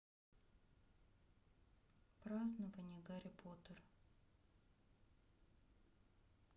празднование гарри поттер